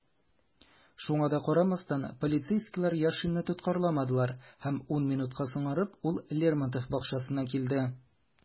Шуңа да карамастан, полицейскийлар Яшинны тоткарламадылар - һәм ун минутка соңарып, ул Лермонтов бакчасына килде.